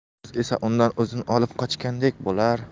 qiz esa undan o'zini olib qochgandek bo'lar